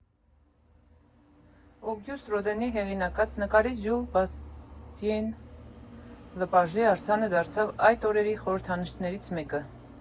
Օգյուստ Ռոդենի հեղինակած՝ նկարիչ Ժյուլ Բաստիեն Լըպաժի արձանը դարձավ այդ օրերի խորհրդանիշներից մեկը։